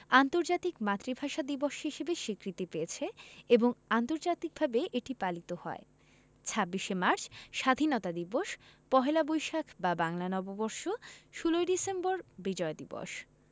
আন্তর্জাতিক মাতৃভাষা দিবস হিসেবে স্বীকৃতি পেয়েছে এবং আন্তর্জাতিকভাবে এটি পালিত হয় ২৬শে মার্চ স্বাধীনতা দিবস পহেলা বৈশাখ বা বাংলা নববর্ষ ১৬ই ডিসেম্বর বিজয় দিবস